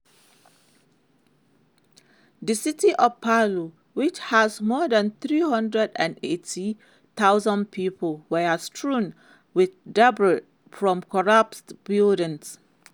The city of Palu, which has more than 380,000 people, was strewn with debris from collapsed buildings.